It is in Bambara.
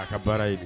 A ka baara ye de